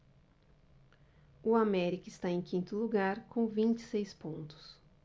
o américa está em quinto lugar com vinte e seis pontos